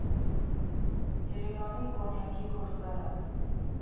Երևանի կոնյակի գործարան։